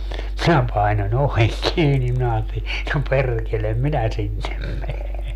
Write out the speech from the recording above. minä painoin oven kiinni minä ajattelin no perkele minä sinne mene